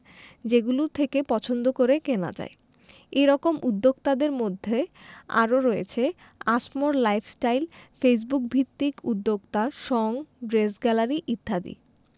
যেগুলো থেকে পছন্দ করে কেনা যায় এ রকম উদ্যোক্তাদের মধ্যে আরও রয়েছে আসমোর লাইফস্টাইল ফেসবুকভিত্তিক উদ্যোক্তা সঙ ড্রেস গ্যালারি ইত্যাদি